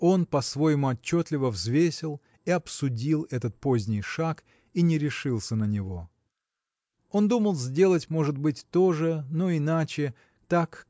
он по-своему отчетливо взвесил и обсудил этот поздний шаг и не решился на него. Он думал сделать может быть то же но иначе так